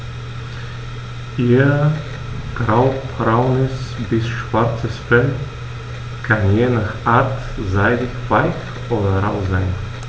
Ihr graubraunes bis schwarzes Fell kann je nach Art seidig-weich oder rau sein.